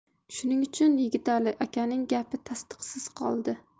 shuning uchun yigitali akaning gapi tasdiqsiz qoldi